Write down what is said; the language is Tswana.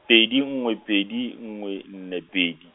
pedi nngwe pedi nngwe nne pedi.